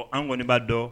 An kɔnibaaa dɔn